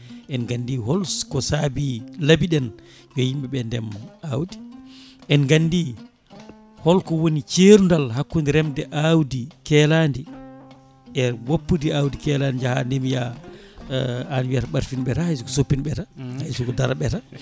en gandi holko saabi laabiɗen yo yimɓeɓe ndeem awdi en gandi holko woni cerdal hakkude remde awdi keeladi e woppude awdi keeladi jaaha ndeemoya an wiyata ɓarfino ɓeeta hayso ko soppino ɓeeta haysoko daaro ɓeeta